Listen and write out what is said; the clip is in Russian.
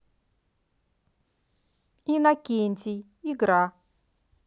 иннокентий игра